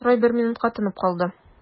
Строй бер минутка тынып калды.